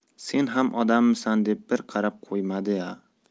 sen ham odammisan deb bir qarab qo'ymadi ya